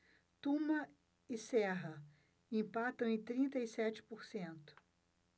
tuma e serra empatam em trinta e sete por cento